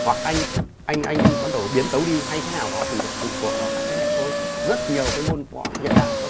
hoặc anh anh anh bắt đầu biến tấu đi hay thế nào đó thì lại phụ thuộc vào các thế hệ thôi rất nhiều môn võ hiện đại